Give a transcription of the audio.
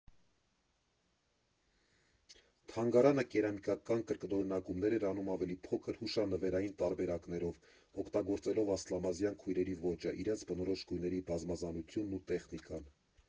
Թանգարանը կերամիկական կրկնօրինակումներ էր անում ավելի փոքր՝ հուշանվերային տարբերակներով՝ օգտագործելով Ասլամազյան քույրերի ոճը, իրենց բնորոշ գույների բազմազանությունն ու տեխնիկան։